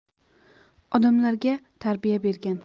odamlarga tarbiya bergan